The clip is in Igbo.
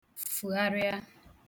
fùgharịa